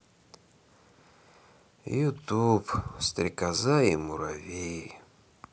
ютуб стрекоза и муравей